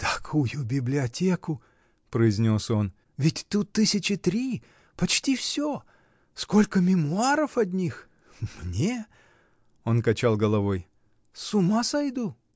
— Такую библиотеку, — произнес он, — ведь тут тысячи три: почти всё! Сколько мемуаров одних! Мне? — Он качал головой. — С ума сойду!